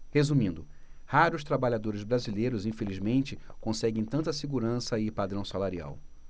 resumindo raros trabalhadores brasileiros infelizmente conseguem tanta segurança e padrão salarial